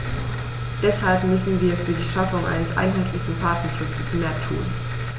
Deshalb müssen wir für die Schaffung eines einheitlichen Patentschutzes mehr tun.